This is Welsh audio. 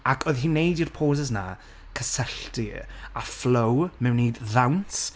Ac oedd hi'n wneud i'r poses na, cysylltu, a flow mewn i ddawns.